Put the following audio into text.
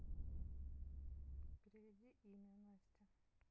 переведи имя настя